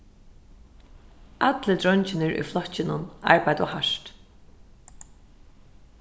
allir dreingirnir í flokkinum arbeiddu hart